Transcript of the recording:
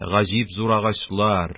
Гаҗип зур агачлар...